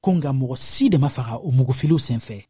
ko nka mɔgɔ si de ma faga o mugufiliw senfɛ